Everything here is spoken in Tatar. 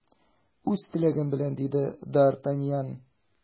Үз теләгем белән! - диде д’Артаньян.